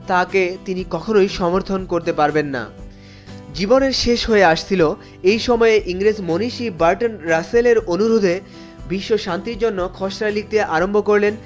তাকে তিনি কখনোই সমর্থন করতে পারবেন না জীবনে শেষ হয়ে আসছিল এ সময় ইংরেজ মনীষী বার্ট্রান্ড রাসেল এর অনুরোধে বিশ্ব শান্তির জন্য খসড়া লিখতে আরম্ভ করলেন